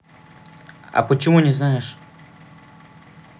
а почему не знаешь